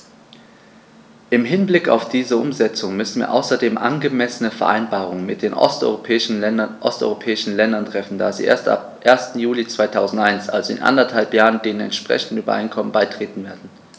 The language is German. Im Hinblick auf diese Umsetzung müssen wir außerdem angemessene Vereinbarungen mit den osteuropäischen Ländern treffen, da sie erst ab 1. Juli 2001, also in anderthalb Jahren, den entsprechenden Übereinkommen beitreten werden.